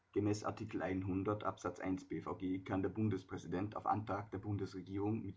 100 Abs 1 B-VG kann der Bundespräsident auf Antrag der Bundesregierung